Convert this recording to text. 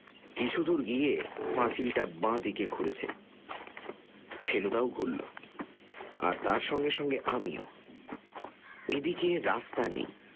কিছুদূর গিয়ে পাঁচিলটা বাঁ দিকে ঘুরেছে ফেলুদাও ঘুরল আর তার সঙ্গে সঙ্গে আমিও এদিকে রাস্তা নেই